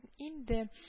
Инде